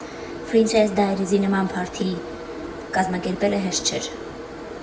Փրինսեզ Դայրիզի նման փարթի կազմակերպելը հեշտ չէր։